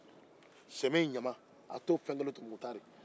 sɛmɛ in ɲama t'o fɛn kelen to mukutari